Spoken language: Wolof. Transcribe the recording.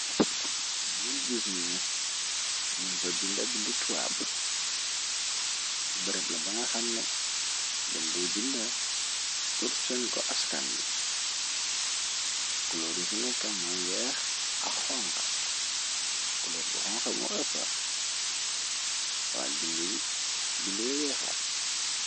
lu gisnen njin fa binda bind toaab bërëb la ba nga xamne dende binda purchen ko askan bi kulóor u fi nekkam mooy weex ak xonga kuloor bu xonxa mo ëppa waat bbindy weex la